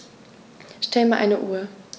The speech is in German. Stell mir eine Uhr.